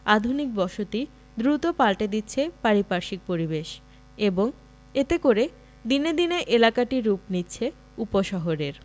আধুনিক বসতি দ্রুত পাল্টে দিচ্ছে পারিপার্শ্বিক পরিবেশ এবং এতে করে দিনে দিনে এলাকাটি রূপ নিচ্ছে উপশহরের